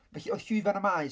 Felly oedd Llwyfan y Maes...